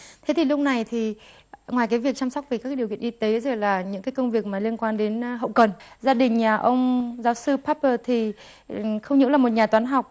thế thì lúc này thì ngoài cái việc chăm sóc về các cái điều kiện y tế rồi là những cái công việc mà liên quan đến hậu cần gia đình nhà ông giáo sư pắp pờ thì không những là một nhà toán học